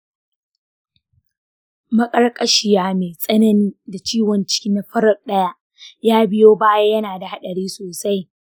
maƙarƙashiya mai tsanani da ciwon ciki na farat ɗaya ya biyo baya yana da haɗari sosai.